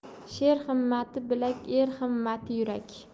sher himmati bilak er himmati yurak